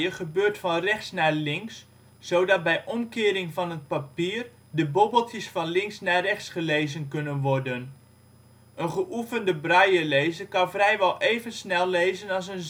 gebeurt van rechts naar links, zodat bij omkering van het papier de bobbeltjes van links naar rechts gelezen kunnen worden. Een geoefende braillelezer kan vrijwel even snel lezen als een